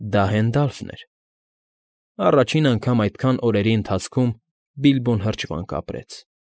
Դա Հենդալֆն էր։ Առաջին անգամ այդքան օրերի ընթացքում Բիլբոն հրճվանք ապրեց։